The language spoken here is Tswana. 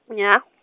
nya.